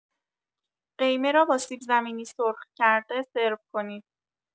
قیمه را با سیب‌زمینی سرخ کرده سرو کنید.